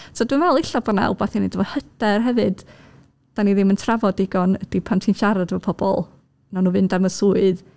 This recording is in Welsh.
So dwi'n meddwl ella bo' 'na wbath i wneud efo hyder hefyd. Dan ni ddim yn trafod digon, ydy, pan ti'n siarad efo pobl, wnawn nhw fynd am y swydd.